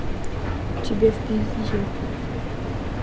у тебя в пизде